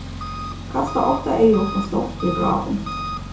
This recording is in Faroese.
kasta átta eygu upp á stokk við gráum